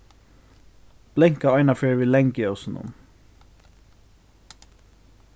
blinka eina ferð við langljósunum